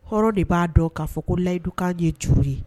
Hɔrɔn de b'a dɔn k'a fɔ ko layidukan ye juru ye